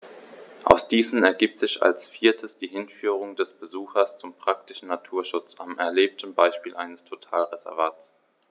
Aus diesen ergibt sich als viertes die Hinführung des Besuchers zum praktischen Naturschutz am erlebten Beispiel eines Totalreservats.